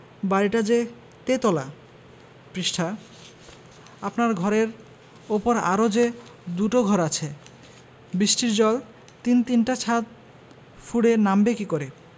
বাড়িটা যে তেতলা পৃষ্ঠা আপনার ঘরের উপর আরও যে দুটো ঘর আছে বৃষ্টির জল তিন তিনটা ছাত ফুঁড়ে নামবে কি করে